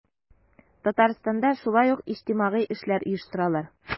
Татарстанда шулай ук иҗтимагый эшләр оештыралар.